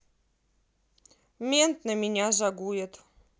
мент на меня загует